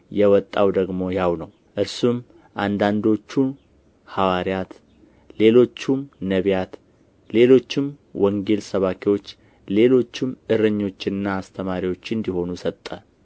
የወጣው ደግሞ ያው ነው እርሱም አንዳንዶቹ ሐዋርያት ሌሎቹም ነቢያት ሌሎቹም ወንጌልን ሰባኪዎች ሌሎቹም እረኞችና አስተማሪዎች እንዲሆኑ ሰጠ